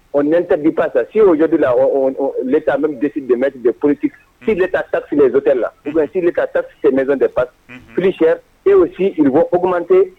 Ɔ nta bi pas si'o jodi la t bɛ de dɛmɛ de polisifile taa fizo tɛ lasi kaɛnte pati psi e'o si bɔ okmante